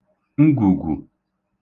ngwùgwù